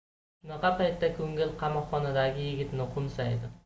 shunaqa paytda ko'ngil qamoqxonadagi yigitni qo'msaydi